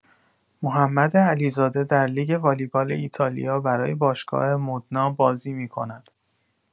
محمد علیزاده در لیگ والیبال ایتالیا برای باشگاه مودنا بازی می‌کند.